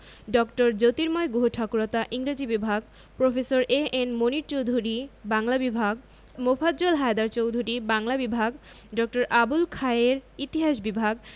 ড. জ্যোতির্ময় গুহঠাকুরতা ইংরেজি বিভাগ প্রফেসর এ.এন মুনীর চৌধুরী বাংলা বিভাগ মোফাজ্জল হায়দার চৌধুরী বাংলা বিভাগ ড. আবুল খায়ের ইতিহাস বিভাগ